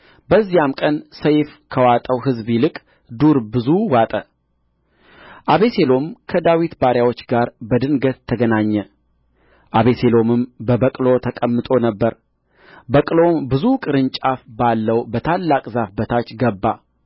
በዚያም ቀን ሰይፍ ከዋጠው ሕዝብ ሁሉ ይልቅ ዱር ብዙ ዋጠ አቤሴሎም ከዳዊት ባሪያዎች ጋር በድንገት ተገናኘ አቤሴሎምም በበቅሎ ተቀምጦ ነበር በቅሎውም ብዙ ቅርንጫፍ ባለው በታላቅ ዛፍ በታች ገባ